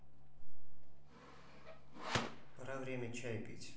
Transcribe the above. пора время чай пить